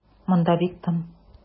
Монда бик тын.